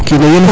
o kino yelefu